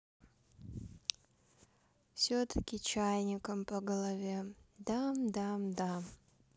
все таки чайником по голове да да да